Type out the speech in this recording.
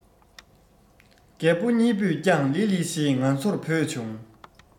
རྒད པོ གཉིས པོས ཀྱང ལི ལི ཞེས ང ཚོར བོས བྱུང